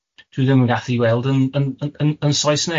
Dwi ddim yn gallu weld yn yn yn yn yn Saesneg